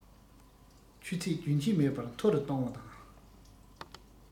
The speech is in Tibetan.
ཆུ ཚད རྒྱུན ཆད མེད པར མཐོ རུ གཏོང བ དང